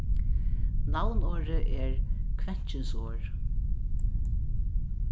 navnorðið er kvennkynsorð